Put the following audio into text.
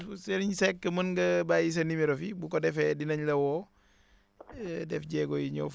Serigne Seck mën nga bàyyi sa numéro fii bu ko defee dinañ la woo def jéego yi ñëw